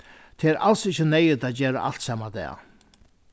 tað er als ikki neyðugt at gera alt sama dag